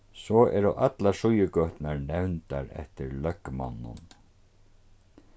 so eru allar síðugøturnar nevndar eftir løgmonnum